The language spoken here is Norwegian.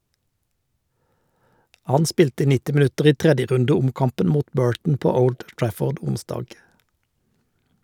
Han spilte 90 minutter i 3. runde-omkampen mot Burton på Old Trafford onsdag.